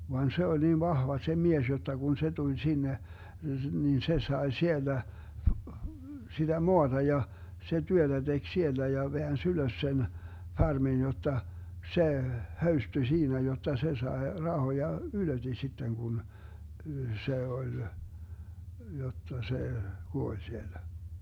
vaan se oli niin vahva se mies jotta kun se tuli sinne niin se sai siellä sitä maata ja se työtä teki siellä ja väänsi ylös sen farmin jotta se höystyi siinä jotta se sai rahoja ylöti sitten kun se oli jotta se kuoli siellä